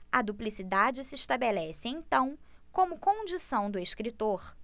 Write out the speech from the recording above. a duplicidade se estabelece então como condição do escritor